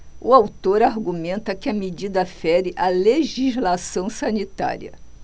o autor argumenta que a medida fere a legislação sanitária